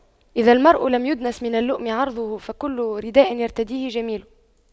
إذا المرء لم يدنس من اللؤم عرضه فكل رداء يرتديه جميل